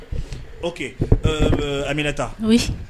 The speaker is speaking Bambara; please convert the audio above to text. O amina taa